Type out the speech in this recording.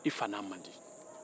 i fa n'a man di